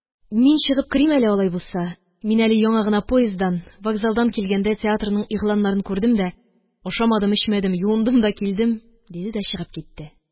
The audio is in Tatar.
Мин чыгып керим әле алай булса, мин әле яңы гына поезддан, вокзалдан килгәндә театрның игъланнарын күрдем дә, ашамадым-эчмәдем, юындым да килдем, – диде дә чыгып китте.